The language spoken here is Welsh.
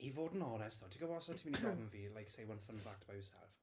I fod yn onest ddo, ti'n gwybod os o't ti'n mynd i gofyn fi; "like, say one fun fact about yourself."